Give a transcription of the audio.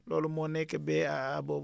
loolu moo nekk BAA boobu